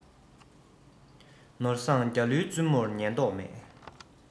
ནོར བཟང རྒྱ ལུའི བཙུན མོར ཉན མདོག མེད